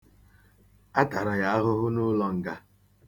A tara ya ahụhụ n'ụlọ nga.